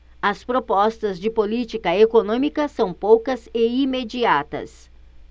as propostas de política econômica são poucas e imediatas